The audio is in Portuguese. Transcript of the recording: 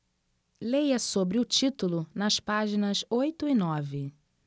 leia sobre o título nas páginas oito e nove